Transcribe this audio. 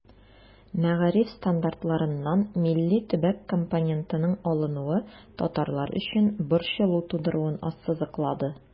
Мәгариф стандартларыннан милли-төбәк компонентының алынуы татарлар өчен борчылу тудыруын ассызыклады.